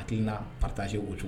A' na pata se o cogo